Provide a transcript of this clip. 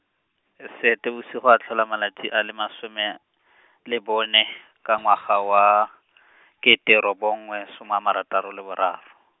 Seetebosigo a tlhola malatsi a le masome , le bone, ka ngwaga wa , kete robongwe, soma a marataro le boraro.